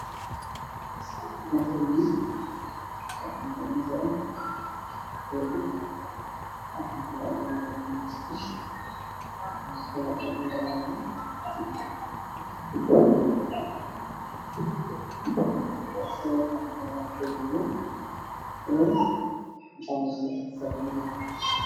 Waxaa ii muuqda baasto ay korka saaran tahay wax gaduudan iyo waxaad cad waxaa kale oo ii muuqda hilib ay kor wax ka saaran yihiin iyo bariis kor ka saaran yihiin hilib